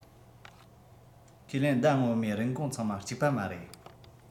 ཁས ལེན ཟླ སྔོན མའི རིན གོང ཚང མ གཅིག པ མ རེད